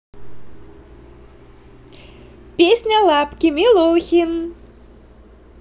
песня лапки милохин